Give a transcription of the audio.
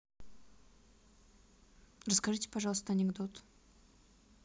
расскажите пожалуйста анекдот